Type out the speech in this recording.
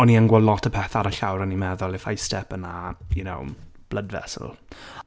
O'n i yn gweld lot o bethe ar y llawr, a o'n i'n meddwl if I step in that, you know, blood vessel.